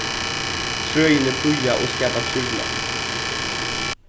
trøini prýða og skapa trivnað